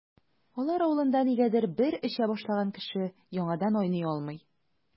Алар авылында, нигәдер, бер эчә башлаган кеше яңадан айный алмый.